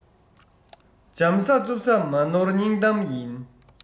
འཇམ ས རྩུབ ས མ ནོར སྙིང གཏམ ཡིན